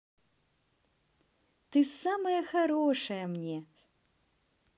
ты самая хорошая мне